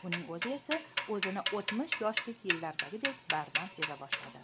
uning o'zi esa o'zini o'tmish yoshlik yillaridagidek bardam seza boshladi